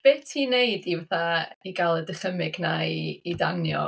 Be ti'n wneud i fatha i gael y dychymyg 'na i i danio?